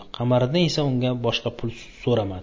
qamariddin esa undan boshqa pul so'ramadi